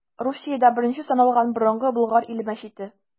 Русиядә беренче саналган Борынгы Болгар иле мәчете.